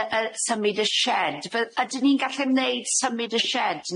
yy yy symud y sied f- ydyn ni'n gallu neud symud y sied